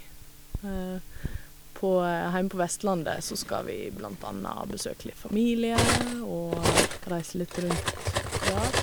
på Heime på Vestlandet så skal vi blant anna besøke litt familie og reise litt rundt der.